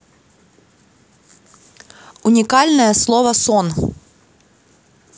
уникальное слово сон